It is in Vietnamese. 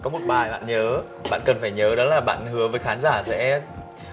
có một bài bạn nhớ bạn cần phải nhớ đó là bạn hứa với khán giả sẽ